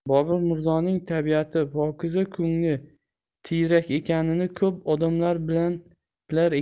bobur mirzoning tabiati pokiza ko'ngli tiyrak ekanini ko'p odam bilar ekan